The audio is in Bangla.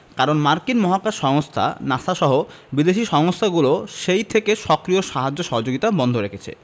কারণ মার্কিন মহাকাশ সংস্থা নাসা সহ বিদেশি সংস্থাগুলো সেই থেকে সক্রিয় সাহায্য সহযোগিতা বন্ধ রেখেছে